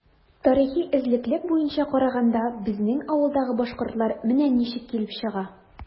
Тарихи эзлеклелек буенча караганда, безнең авылдагы “башкортлар” менә ничек килеп чыга.